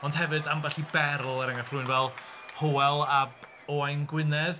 Ond hefyd ambell i berl, er enghraifft, rywun fel Hywel ab Owain Gwynedd.